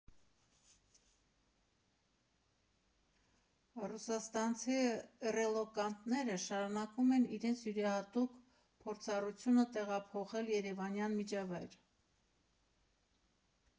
Ռուսաստանցի ռելոկանտները շարունակում են իրենց յուրահատուկ փորձառությունը տեղափոխել երևանյան միջավայր։